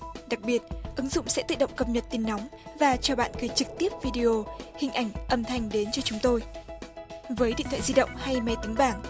đặc biệt ứng dụng sẽ tự động cập nhật tin nóng và cho bạn quay trực tiếp vi đi ô hình ảnh âm thanh đến cho chúng tôi với điện thoại di động hay máy tính bảng